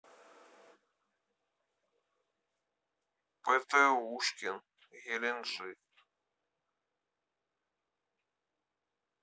птушкин геленджик